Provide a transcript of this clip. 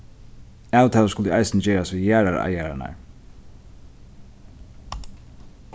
avtalur skuldu eisini gerast við jarðareigararnar